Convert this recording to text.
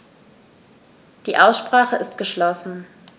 Die Aussprache ist geschlossen.